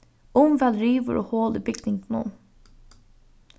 umvæl rivur og hol í bygningunum